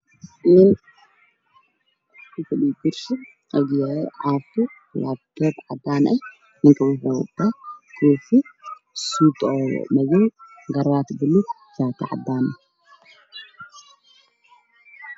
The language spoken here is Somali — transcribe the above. Waxaa fadhiya nin wuxuu wataa suud madow ah shaati cadaan computer ayaa horyaalo kuraasta waa qaxay